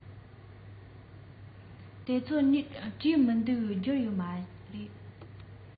དེ ཚོ བྲིས མི འདུག འབྱོར ཡོད ཀྱི མ རེད